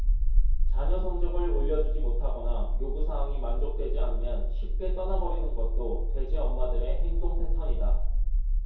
자녀 성적을 올려주지 못하거나 요구사항이 만족되지 않으면 쉽게 떠나 버리는 것도 돼지 엄마들의 행동 패턴이다